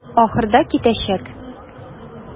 Ахырда китәчәк.